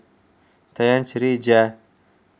tayanch reja